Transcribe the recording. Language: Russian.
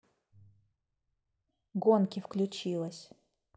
гонки включилось